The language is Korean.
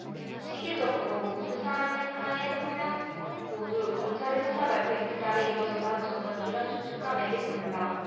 시기적으로도 두 사람의 사의 표명 모두 검찰의 수사발표 이튿날에 이뤄졌다는 점은 이런 추측과 맥이 닿는다